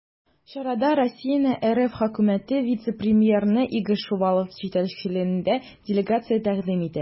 Чарада Россияне РФ Хөкүмәте вице-премьеры Игорь Шувалов җитәкчелегендәге делегация тәкъдим итә.